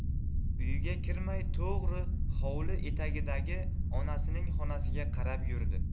uyiga kirmay to'g'ri hovli etagidagi onasining xonasiga qarab yurdi